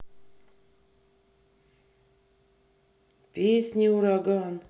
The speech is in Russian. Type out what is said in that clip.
песни ураган